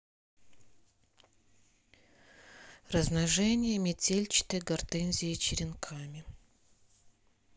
размножение метельчатой гортензии черенками